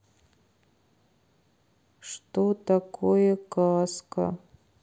что такое каско